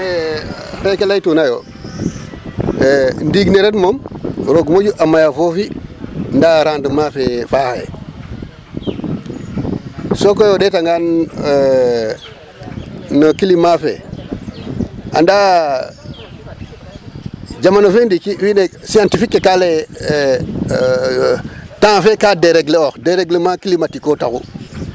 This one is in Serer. Ne xeeke laytuna yo ndiig ne ren moom roog maƴu a mayaa foofi ndaa rendement fe faaxee sokoy o ɗeetangaan no climat fe anda jamano fe ndiiki wiin we scientifique ke ka lay ee temps fe kaa dérégler ox déréglement climatique koy taxun.